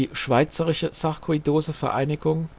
Schweizerische Sarkoidose-Vereinigung